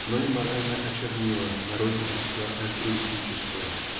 но и морально очернило народничество альтруистическое